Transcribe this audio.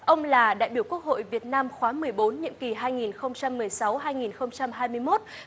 ông là đại biểu quốc hội việt nam khóa mười bốn nhiệm kỳ hai nghìn không trăm mười sáu hai nghìn không trăm hai mươi mốt